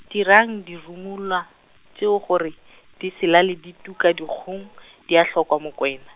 dirang dirumula tšeo gore, di se laele di tuka dikgong, di a hlokwa Mokwena.